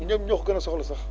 ñoom ñoo ko gën a soxla sax